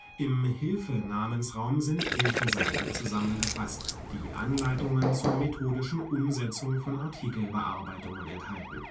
Im Hilfenamensraum sind Hilfeseiten zusammengefasst, die Anleitungen zur methodischen Umsetzung von Artikelbearbeitungen enthalten